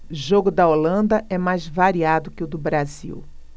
jogo da holanda é mais variado que o do brasil